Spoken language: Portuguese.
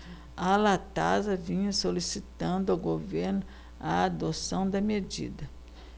a latasa vinha solicitando ao governo a adoção da medida